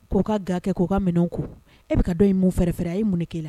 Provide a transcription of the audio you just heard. K'o ka ga kɛ k'o ka minɛn ko e bɛ ka dɔn in mun fɛɛrɛ a ye mun k' la